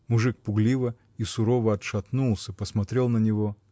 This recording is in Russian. Мужик пугливо и сурово отшатнулся, посмотрел на него.